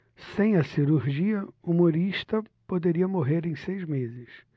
sem a cirurgia humorista poderia morrer em seis meses